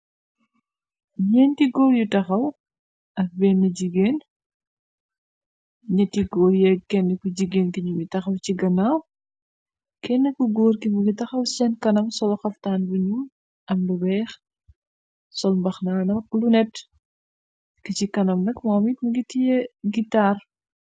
Ñeenti góor yu taxaw, ak benn jigeen, netti góor ye kenn ku jigéen ki ñumi taxaw ci ganaaw, kenn ku góor ki mu gi taxaw senn kanam, solo xaftaan buñu , am lu beex, sol mbaxnana lu net, ki ci kanam nak moo mit mi gitie gitaar.